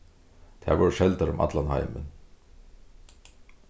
tær vóru seldar um allan heimin